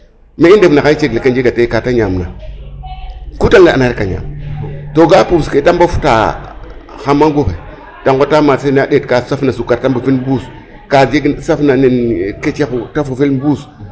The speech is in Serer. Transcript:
Me i ndefna xaye cegel ke njegatee ka da ñaamaa ku da nga'na rek a ñaam to ga'aa puus ke ne ta mbafta xa mbaagu ke da nqota marcher ne a ɗeet ka safna sukar da ɓekin ɓuus ka safna nen ke taxna ta fofel mbuus.